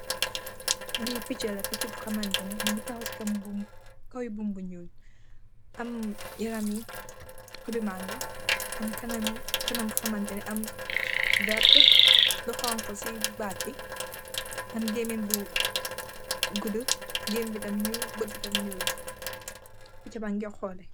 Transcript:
Lee pecha la pecha bu hamantane muge tahaw se kaw bum bu njol am yarame hubee mango am kanam bu hamantane am wertee lu hauhe se bate be am gemeng bu goudu gemeng tamin njol bote be tam njol pecha bage hulee.